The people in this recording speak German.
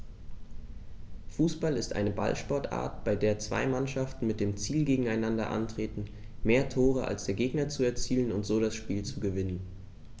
Fußball ist eine Ballsportart, bei der zwei Mannschaften mit dem Ziel gegeneinander antreten, mehr Tore als der Gegner zu erzielen und so das Spiel zu gewinnen.